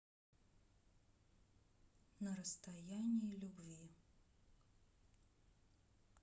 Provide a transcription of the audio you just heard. на расстоянии любви